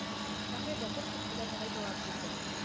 Таһир да бер сүз белән генә җавап бирде: